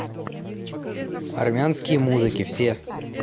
армянские музыки все